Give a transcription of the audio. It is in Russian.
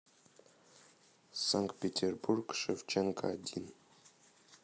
санкт петербург шевченка один